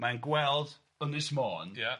mae'n gweld ynys Môn, ia,